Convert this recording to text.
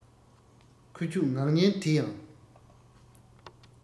ཁུ བྱུག ངག སྙན དེ ཡང